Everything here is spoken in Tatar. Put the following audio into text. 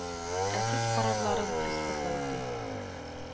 Ә суд карарларын приставлар үти